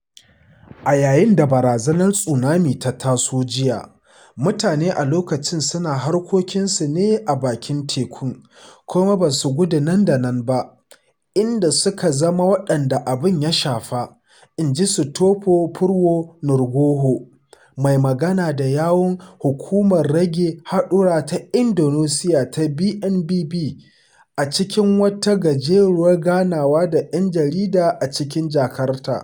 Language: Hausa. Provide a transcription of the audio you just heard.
“A yayin da barazanar tsunamin ta taso jiya, mutane a loƙacin suna harkokinasu ne a bakin tekun kuma ba su gudu nan da nan ba inda suka zama waɗanda abin ya shafa,” inji Sutopo Purwo Nugroho, mai magana da yawun hukumar rage haɗura ta Indonesiya ta BNPB a cikin wata gajeruwar ganawa da ‘yan jarida a cikin Jakarta.